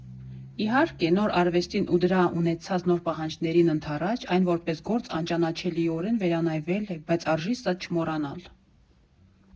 Իհարկե, նոր արվեստին ու դրա ունեցած նոր պահանջներին ընդառաջ այն որպես գործ անճանաչելիորեն վերանայվել է, բայց արժի սա չմոռանալ»։